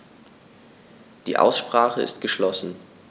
Die Aussprache ist geschlossen.